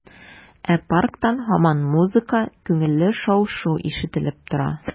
Ә парктан һаман музыка, күңелле шау-шу ишетелеп тора.